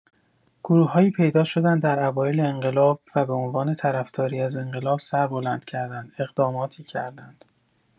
گروه‌هایی پیدا شدند در اوایل انقلاب و به‌عنوان طرفداری از انقلاب سر بلند کردند، اقداماتی کردند.